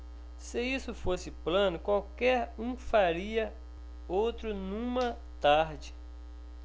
se isso fosse plano qualquer um faria outro numa tarde